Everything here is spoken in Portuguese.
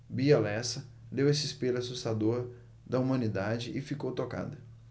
bia lessa leu esse espelho assustador da humanidade e ficou tocada